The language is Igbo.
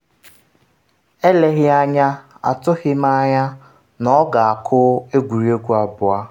Eleghị anya atụghị m anya na ọ ga-akụ egwuregwu abụọ.